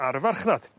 ar y farchnad.